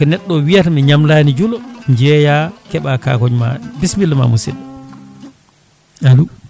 neɗɗo o wiyata mi ñamlani juulo jeeya keeɓa kakoñ ma maɗa bisimilla ma musidɗo alo